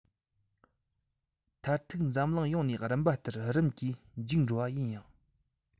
མཐར ཐུག འཛམ གླིང ཡོངས ནས རིམ པ ལྟར རིམ གྱིས འཇིག འགྲོ བ ཡིན ཡང